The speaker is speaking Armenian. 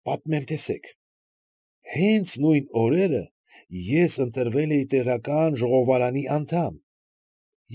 Պատմեմ, տեսեք։ Հենց նույն օրերը ես ընտրվել էի տեղական ժողովարանի անդամ։